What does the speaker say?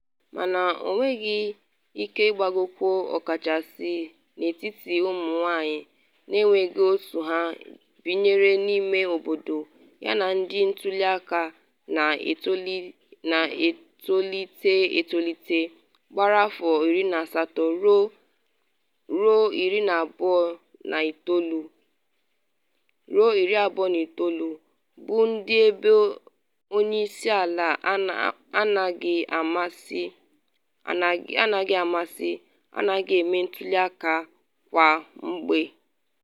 Mana ọ nwere ike ịgbagokwu ọkachasị n’etiti ụmụ-nwanyị n’enweghị otu ha binyere n’ime obodo yana ndị ntuli aka na-etolite etolite, gbara afọ 18- ruo 29-, bụ ndị ebe onye isi ala anaghị amasị, anaghị eme ntuli aka kwa mgbe.”